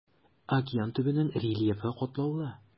Океан төбенең рельефы катлаулы.